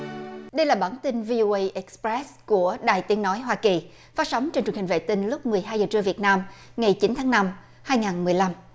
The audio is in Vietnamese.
đây là bản tin vi ô ây ịch pét của đài tiếng nói hoa kỳ phát sóng trên truyền hình vệ tinh lúc mười hai giờ trưa việt nam ngày chín tháng năm hai ngàn mười lăm